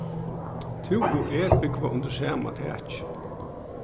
tú og eg búgva undir sama taki